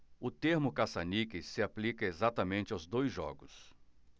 o termo caça-níqueis se aplica exatamente aos dois jogos